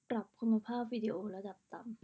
ปรับคุณภาพวิดีโอระดับต่ำ